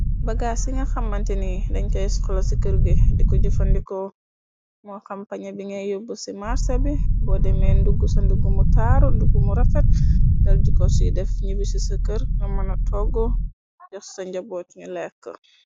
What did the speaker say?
bagaas ci nga xamante ni dañ kay sxolo ci kër gi diko jëfandiko mo xampaña bi ngay yóbb ci marsa bi boo demee ndugg sa nduggumu taaru nduggu mu rafet dal jiko suy def ñibi ci sa kër nga mëna togg jox sa njaboot ñu lekk.